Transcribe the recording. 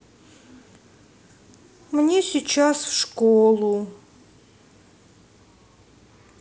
мне сейчас в школу